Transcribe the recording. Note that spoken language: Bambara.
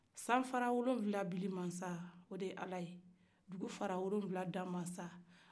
san fara wɔlɔn wula dan masa o de ye ala ye dukukolo fara wɔlon wula dan masa